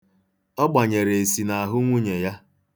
Ọ gbanyere esi n'ahụ nwunye ya.